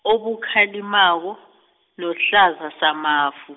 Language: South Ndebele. obukhalimako, nohlaza samafu.